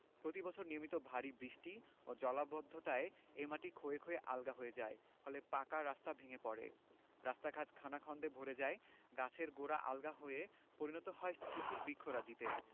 প্রতিবছর নিয়মিত ভারি বৃষ্টি ও জলাবদ্ধতায় এই মাটি ক্ষয়ে ক্ষয়ে আলগা হয়ে যায় ফলে পাকা রাস্তা ভেঙ্গে পড়ে রাস্তাঘাট খানাখন্দকে ভরে যায় গাছের গোড়া আলগা হয়ে পরিণত হয় শিথিল বৃক্ষরাজিতে